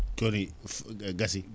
kono gasii